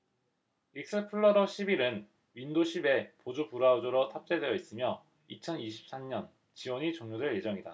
익스플로러 십 일 은 윈도 십 에 보조 브라우저로 탑재되어 있으며 이천 이십 삼 년 지원이 종료될 예정이다